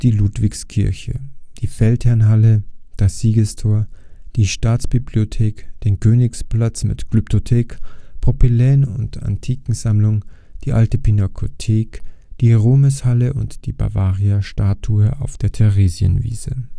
Ludwigskirche, die Feldherrnhalle, das Siegestor, die Staatsbibliothek, den Königsplatz mit Glyptothek, Propyläen und Antikensammlung, die Alte Pinakothek, die Ruhmeshalle und die Bavaria-Statue auf der Theresienwiese